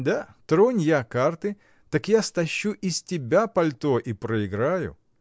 Да тронь я карты, так я стащу и с тебя пальто и проиграю.